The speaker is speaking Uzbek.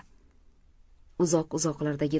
uzoq uzoqlardagi